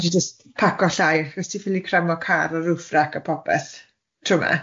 Bandi jyst paco llai achos ti ffili cramo car a roof rack a popeth trw'ma,